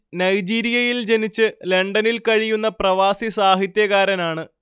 നൈജീരിയയിൽ ജനിച്ച് ലണ്ടനിൽ കഴിയുന്ന പ്രവാസി സാഹിത്യകാരനാണ്